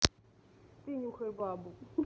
ты нюхай бабу